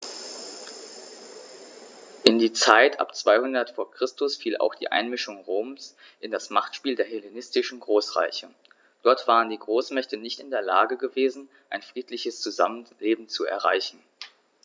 In die Zeit ab 200 v. Chr. fiel auch die Einmischung Roms in das Machtspiel der hellenistischen Großreiche: Dort waren die Großmächte nicht in der Lage gewesen, ein friedliches Zusammenleben zu erreichen.